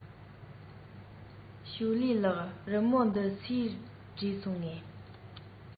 ཞོའོ ལིའི ལགས རི མོ འདི སུས བྲིས སོང ངས